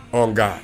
Ɔ nka